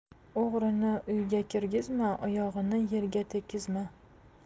o'g'rini uyga kirgizma oyog'ini yerga tegizma